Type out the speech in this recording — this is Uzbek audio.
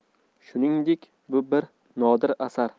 shuningdek bu bir nodir asar